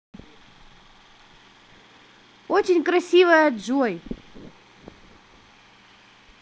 очень красивая джой